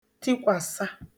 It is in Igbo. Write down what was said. tikwàsa